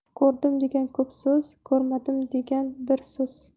ko'rdim degan ko'p so'z ko'rmadim degan bir so'z